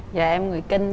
dạ em người kinh